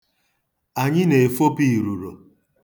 Anyị na-efopụ iruro.